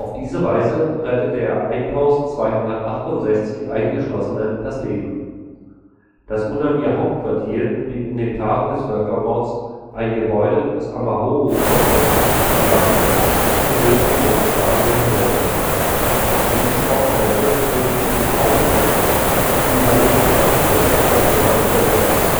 diese Weise rettete er 1268 Eingeschlossenen das Leben. Das UNAMIR-Hauptquartier blieb in den Tagen des Völkermords ein Gebäude des Amahoro-Komplexes in Kigali, zu dem ein großes Stadion gehörte. In diese Sportstätte flüchteten sich Tausende, sie überlebten dank der internationalen Präsenz